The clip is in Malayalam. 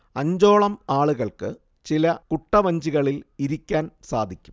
അഞ്ചോളം ആളുകൾക്ക് ചില കുട്ടവഞ്ചികളിൽ ഇരിക്കാൻ സാധിക്കും